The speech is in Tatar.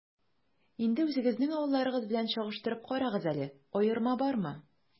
Инде үзегезнең авылларыгыз белән чагыштырып карагыз әле, аерма бармы?